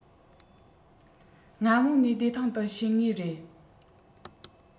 སྔ མོ ནས བདེ ཐང དུ བྱེད ངེས རེད